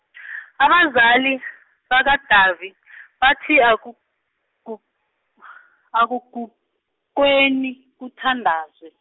abazali, bakaDavi , bathi aku- ku- , akuguqweni kuthandazwe.